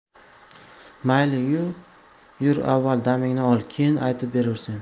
mayli yur avval damingni ol keyin aytib berursen